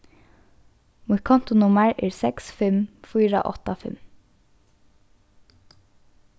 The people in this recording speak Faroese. mítt kontunummar er seks fimm fýra átta fimm